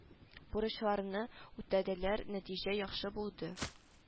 Бурычларны үтәделәр нәтиҗә яхшы булды